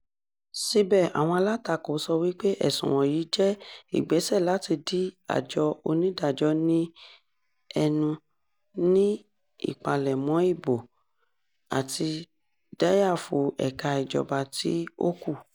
Síbẹ̀, àwọn alátakò sọ wípé ẹ̀sùn wọ̀nyí jẹ́ ìgbésẹ̀ láti di àjọ onídàájọ́ ní ẹnu ní ìpalẹ̀mọ́ ìbò, àti dáyàfo ẹ̀ka ìjọba tí ó kù.